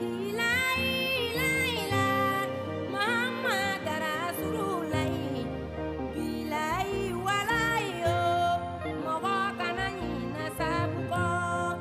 Tilelahi la la mɔgɔ ma kɛraurun layiilayi walayi yo mɔgɔ kana hinɛinɛ sa